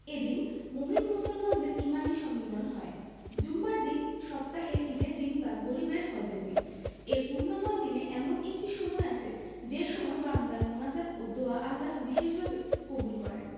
এদিন মোমিন মুসলমানদের ইমানি সম্মিলন হয় জুমার দিন সপ্তাহের ঈদের দিন বা গরিবের হজের দিন এ পুণ্যময় দিনে এমন একটি সময় আছে যে সময় বান্দার মোনাজাত ও দোয়া আল্লাহ বিশেষভাবে কবুল করেন